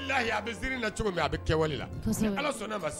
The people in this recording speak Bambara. A bɛ ziiri cogo min bɛ sɔnna